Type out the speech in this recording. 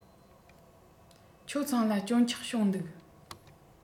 ཁྱོད ཚང ལ སྐྱོན ཆག བྱུང འདུག